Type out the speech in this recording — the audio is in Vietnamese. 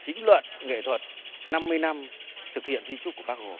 chính luận nghệ thuật năm mươi năm thực hiện di chúc của bác hồ